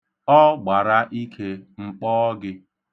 Ọ gbara ike, m kpọọ gị.